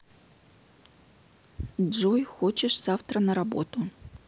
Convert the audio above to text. джой хочешь завтра на работу